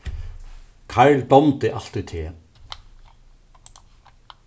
karl dámdi altíð teg